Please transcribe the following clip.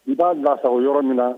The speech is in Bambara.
I b'a bilasa o yɔrɔ min na